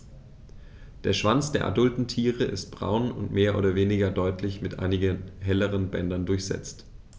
Der Schwanz der adulten Tiere ist braun und mehr oder weniger deutlich mit einigen helleren Bändern durchsetzt.